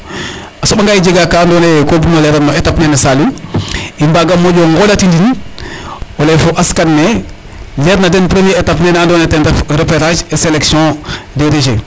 A soɓanga jega ka andoona yee ko bug no leran no étape nene Saliou i mbaga moƴo nqolatindin o lay fo askan ne leerna den premier étape nene andoona yee ten ref repérage et sélection des déchets.